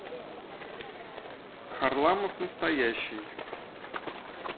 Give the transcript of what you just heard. харламов настоящий